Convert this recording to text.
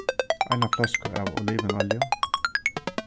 eina fløsku av olivinolju